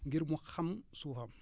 ngir mu xam suufam